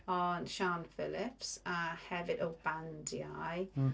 Ond Sian Phillips a hefyd y bandiau.